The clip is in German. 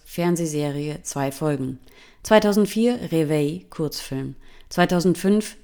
Fernsehserie, 2 Folgen) 2004: Reveille (Kurzfilm) 2005